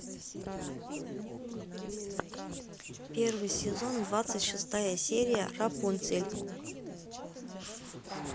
первый сезон двадцать шестая серия рапунцель